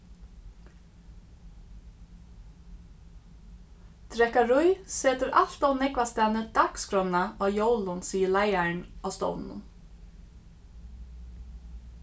drekkarí setir alt ov nógvastaðni dagsskránna á jólum sigur leiðarin á stovninum